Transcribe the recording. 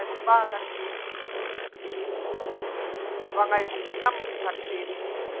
mùng ba tháng chín và ngày mùng năm tháng chín